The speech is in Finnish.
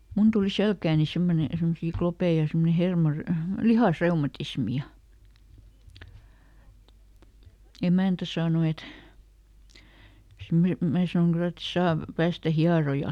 minun tuli selkääni semmoinen semmoisia kloppeja ja semmoinen - lihasreumatismi ja emäntä sanoi että - minä sanon kyllä että - päästä hierojalle